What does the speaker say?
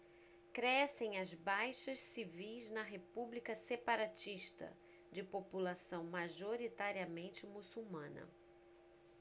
crescem as baixas civis na república separatista de população majoritariamente muçulmana